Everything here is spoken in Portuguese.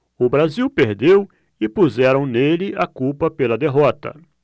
o brasil perdeu e puseram nele a culpa pela derrota